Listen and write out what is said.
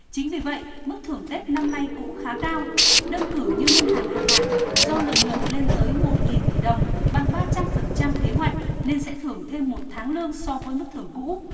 chính vì vậy mức thưởng tết năm nay cũng khá cao đơn cử như ngân hàng hàng hải do lợi nhuận lên tới một nghìn tỷ đồng bằng ba trăm phần trăm kế hoạch nên sẽ thưởng thêm một tháng lương so với mức thưởng cũ